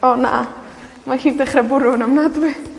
O na, mae hi'n dechra bwrw yn ofnadwy!